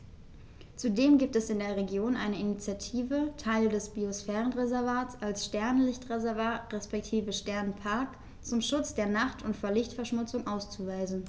Zudem gibt es in der Region eine Initiative, Teile des Biosphärenreservats als Sternenlicht-Reservat respektive Sternenpark zum Schutz der Nacht und vor Lichtverschmutzung auszuweisen.